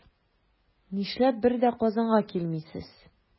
Нишләп бер дә Казанга килмисез?